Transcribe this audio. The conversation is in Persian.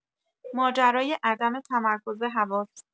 ماجرای عدم تمرکز حواس